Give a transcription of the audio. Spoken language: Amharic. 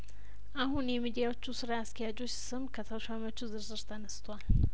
አሁን የሚዲያዎቹ ስራ አስኪያጆች ስም ከተሿሚዎቹ ዝርዝር ተነስቷል